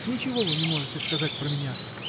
Ничего вы не можете сказать про меня!